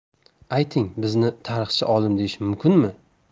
ayting bizni tarixchi olim deyish mumkinmi